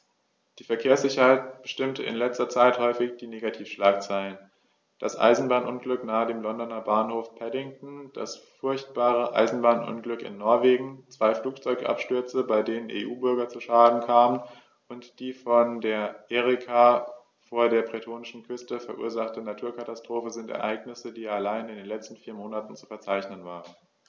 Die Verkehrssicherheit bestimmte in letzter Zeit häufig die Negativschlagzeilen: Das Eisenbahnunglück nahe dem Londoner Bahnhof Paddington, das furchtbare Eisenbahnunglück in Norwegen, zwei Flugzeugabstürze, bei denen EU-Bürger zu Schaden kamen, und die von der Erika vor der bretonischen Küste verursachte Naturkatastrophe sind Ereignisse, die allein in den letzten vier Monaten zu verzeichnen waren.